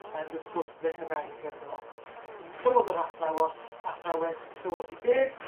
Ma'n wyth- gwrthrych y ferf gryno. Clywodd yr athrawos athrawes. Clywodd hi beth?